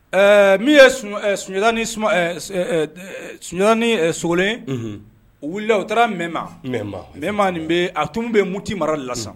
Ɛɛ min ye sunjata sunjatai sogolen wulila u taara mɛma mɛ mɛma nin bɛ a tun bɛ moti mara la sa